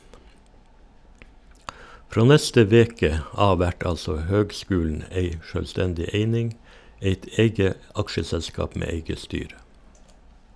Frå neste veke av vert altså høgskulen ei sjølvstendig eining, eit eige aksjeselskap med eige styre.